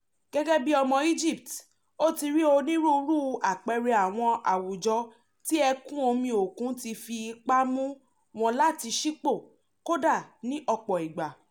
Gẹ́gẹ́ bí ọmọ Egypt, ó ti rí onírúurú àpẹẹrẹ àwọn àwùjọ tí ẹ̀kún-omi òkun tí fi ipa mú wọn láti ṣípò, kódà ní ọ̀pọ̀ ìgbà.